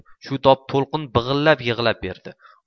shu tob to'lqin big'illab yig'lab berdi